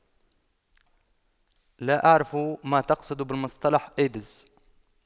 لا أعرف ما تقصد بالمصطلح أيدز